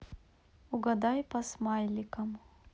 угадай по смайликам